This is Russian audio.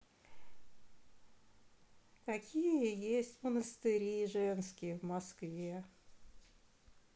какие есть монастыри женские в москве